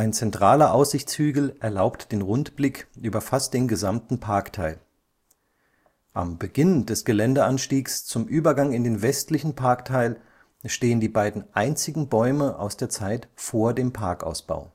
zentraler Aussichtshügel erlaubt den Rundblick über fast den gesamten Parkteil. Am Beginn des Geländeanstiegs zum Übergang in den westlichen Parkteil stehen die beiden einzigen Bäume aus der Zeit vor dem Parkausbau